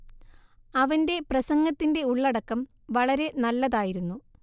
അവന്റെ പ്രസംഗത്തിന്റെ ഉള്ളടക്കം വളരെ നല്ലതായിരുന്നു